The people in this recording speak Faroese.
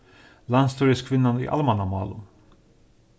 landsstýriskvinnan í almannamálum